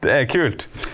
det er kult.